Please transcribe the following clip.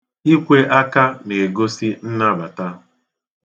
Ikwe aka na-egosi nnabata.